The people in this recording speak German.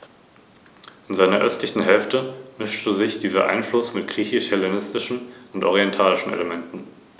Neben seiner neuen Rolle als Seemacht trugen auch die eroberten Silberminen in Hispanien und die gewaltigen Reparationen, die Karthago zu leisten hatte, zu Roms neuem Reichtum bei.